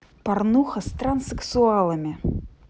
порнуха с транссексуалами